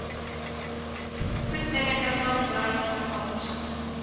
Көтмәгәндә, тагын Нора исеме калкып чыкты